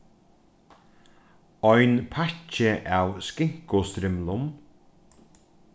ein pakki av skinkustrimlum